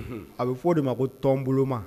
A bɛ fɔ o de ma ko tɔnonboloma